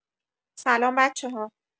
سلام بچه‌ها!